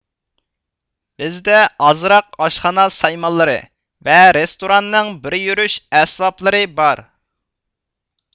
بىزدە ئازراق ئاشخانا سايمانلىرى ۋە رېستوراننىڭ بىر يۈرۈش ئەسۋابلىرى بار